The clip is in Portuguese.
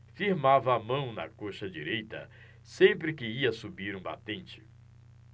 firmava a mão na coxa direita sempre que ia subir um batente